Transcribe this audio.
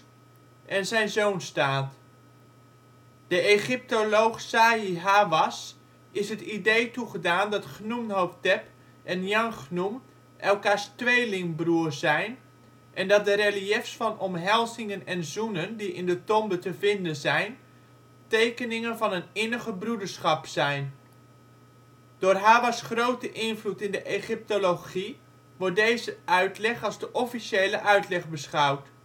en zijn zoon staat. De Egyptoloog Zahi Hawass is het idee toegedaan dat Chnumhotep en Nianchchnum elkaars tweelingbroer zijn en dat de reliëfs van omhelzingen en zoenen die in de tombe te vinden zijn, tekeningen van een innige broederschap zijn. Door Hawass ' grote invloed in de egyptologie wordt deze uitleg als de officiële uitleg beschouwd